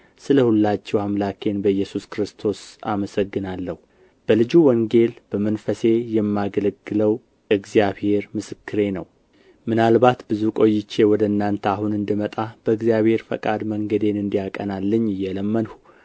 ስለ ሁላችሁ አምላኬን በኢየሱስ ክርስቶስ አመሰግናለሁ በልጁ ወንጌል በመንፈሴ የማገለግለው እግዚአብሔር ምስክሬ ነውና ምናልባት ብዙ ቆይቼ ወደ እናንተ አሁን እንድመጣ በእግዚአብሔር ፈቃድ መንገዴን እንዲያቀናልኝ እየለመንሁ